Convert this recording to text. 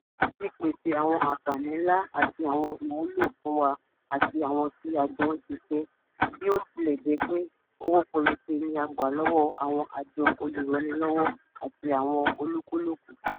Ó ti pèsè àwọn àǹfààní ńlá àti àwọn ìwúlò fún wa àti àwọn tí a jọ ń ṣiṣẹ́, bí ó tilẹ̀ jẹ́ pé owó péréte ni a gbà lọ́wọ́ àwọn àjọ olúranilọ́wọ̀ àti àwọn olúkúlùkù.